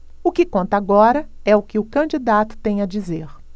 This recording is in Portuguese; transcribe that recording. o que conta agora é o que o candidato tem a dizer